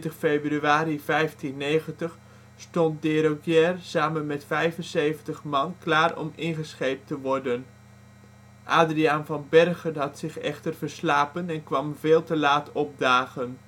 februari 1590 stond De Héraugière samen met 75 man klaar om ingescheept te worden. Adriaen van Bergen had zich echter verslapen en kwam veel te laat opdagen